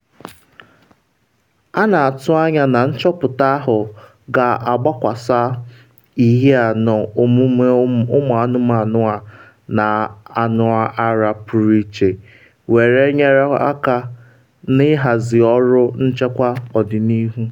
A na-atụ anya na nchọpụta ahụ ga-agbakwasa ihie na omume ụmụ-anụmanụ a na-anụ ara pụrụ iche were nyere aka n’ihazi ọrụ nchekwa ọdịnihu.